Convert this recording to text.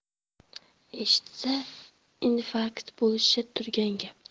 eshitsa infarkt bo'lishi turgan gap